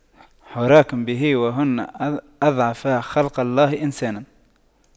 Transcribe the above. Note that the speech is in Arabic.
حراك به وهن أضعف خلق الله إنسانا